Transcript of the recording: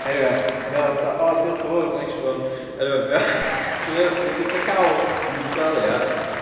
eniwê ma' o fatha "o diolch yn fawr nice one" eniwê ma' o so ma' o ma' o byta cawl mynd i gwely ia